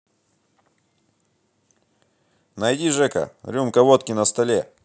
найди жека рюмка водки на столе